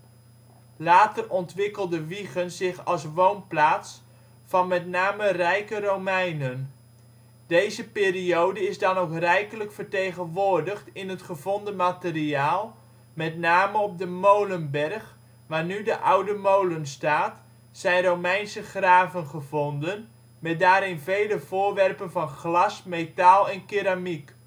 Later ontwikkelde Wijchen zich als woonplaats van met name rijke Romeinen. Deze periode is dan ook rijkelijk vertegenwoordigd in het gevonden materiaal: met name op de Molenberg - waar nu de Oude Molen staat - zijn Romeinse graven gevonden met daarin vele voorwerpen van glas, metaal en keramiek